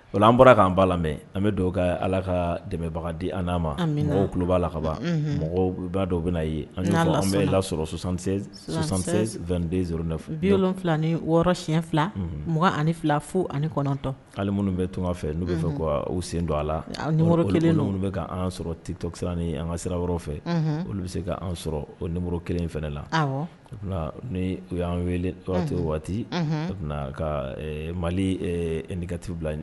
An bɔra k'an b' lamɛn an bɛ dɔw ka ala ka dɛmɛbaga di an' ma mɔgɔw'a la kaban mɔgɔ b' dɔw bɛna'a ye ansɔrɔsan2den fɔ bifila ni wɔɔrɔsiyɛn fila mɔgɔ ani fila fo ani kɔnɔntɔn hali minnu bɛ tunga fɛ n' bɛ fɛ k u sen don a la ni kelen ninnu bɛan sɔrɔ tosi ni an ka sira yɔrɔ fɛ olu bɛ se k' sɔrɔ o kelen fɛ la ni u y'an wele waati waati ka mali nɛgɛti bila